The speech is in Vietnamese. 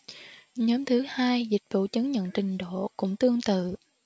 nhóm thứ hai dịch vụ chứng nhận trình độ cũng tương tự